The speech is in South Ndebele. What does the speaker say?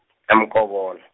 eMkobola.